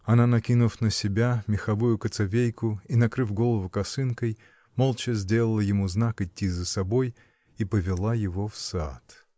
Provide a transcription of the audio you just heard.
Она, накинув на себя меховую кацавейку и накрыв голову косынкой, молча сделала ему знак идти за собой и повела его в сад.